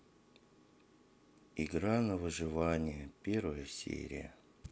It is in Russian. игра на выживание первая серия